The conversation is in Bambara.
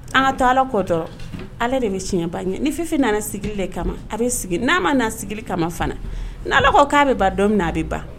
An ka to alah kɔ dɔrɔnw allah de bɛ tiɲɛ bankɛ, ni fifin nana sigili de kama, a bɛ sigi, n'a ma na sigili kama fana n' allah ko k'a a bɛ ban don min, a bɛ ban